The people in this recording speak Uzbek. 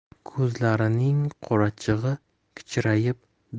ko'zlarining qorachig'i kichrayib